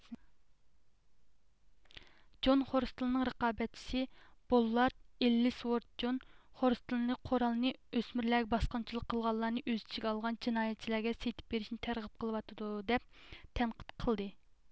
جون خورستىلنىڭ رىقابەتچىسى بوللارد ئېللىسۋورتجون خورستىلنى قورالنى ئۆسمۈرلەرگە باسقۇنچىلىق قىلغانلارنى ئۆز ئىچىگە ئالغان جىنايەتچىلەرگە سېتىپ بېرىشنى تەرغىب قىلىۋاتىدۇ دەپ تەنقىد قىلدى